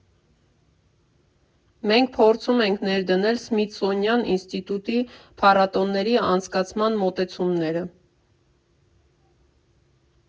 Մենք փորձում ենք ներդնել Սմիթսոնյան ինստիտուտի փառատոների անցկացման մոտեցումները։